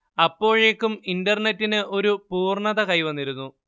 അപ്പോഴേക്കും ഇന്റർനെറ്റിന് ഒരു പൂർണ്ണത കൈവന്നിരുന്നു